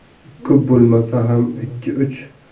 ko'p bo'lmasa ham ikki uch